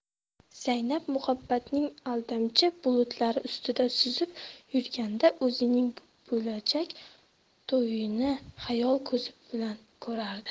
zaynab muhabbatning aldamchi bulutlari ustida suzib yurganida o'zining bo'lajak to'yini xayol ko'zi bilan ko'rardi